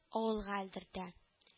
Авылга элдертә